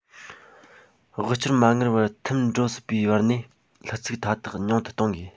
དབུལ སྐྱོར མ དངུལ བར ཐིམ འགྲོ སྲིད པའི བར གནས ལྷུ ཚིགས མཐའ དག ཉུང དུ གཏོང དགོས